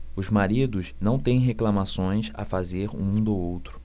os maridos não têm reclamações a fazer um do outro